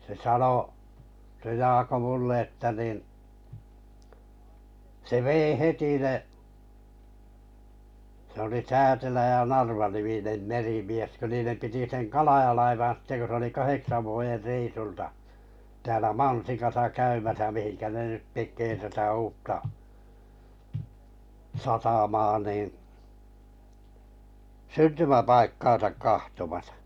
se sanoi se Jaakko minulle että niin se vei heti ne se oli Täätelä ja Narva-niminen merimies kun niiden piti sen Kalaja-laivan sitten kun se oli kahdeksan vuoden reissulta täällä Mansikassa käymässä mihinkä ne nyt tekee tätä uutta satamaa niin syntymäpaikkaansa katsomassa